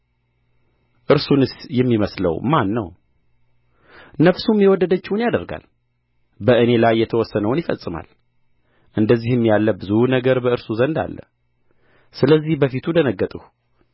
እርሱንስ የሚመስለው ማን ነው ነፍሱም የወደደችውን ያደርጋል በእኔ ላይ የተወሰነውን ይፈጽማል እንደዚህም ያለ ብዙ ነገር በእርሱ ዘንድ አለ ስለዚህ በፊቱ ደነገጥሁ